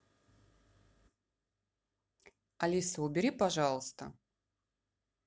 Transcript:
алиса убери пожалуйста